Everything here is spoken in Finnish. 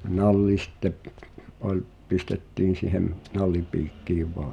nalli sitten oli pistettiin siihen nallipiikkiin vain ja